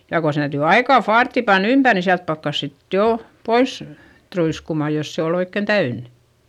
ja kun se täytyy aika faarttia panna ympäri niin sieltä pakkasi sitten jo pois truiskumaan jos se oli oikein täynnä